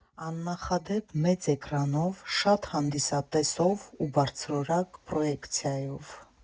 Աննախադեպ մեծ էկրանով, շատ հանդիսատեսով ու բարձրորակ պրոյեկցիայով։